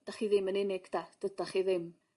Dych chi ddim yn unig 'de dydach chi ddim.